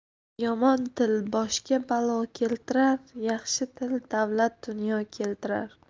yomon til boshga balo keltirar yaxshi til davlat dunyo keltirar